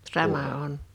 sama on